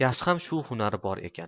yaxshi ham shu hunari bor ekan